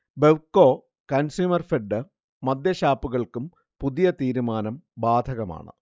ബെവ്കോ, കൺസ്യൂമർഫെഡ് മദ്യഷാപ്പുകൾക്കും പുതിയ തീരുമാനം ബാധകമാണ്